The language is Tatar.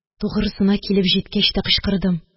Тугрысына килеп җиткәч тә кычкырдым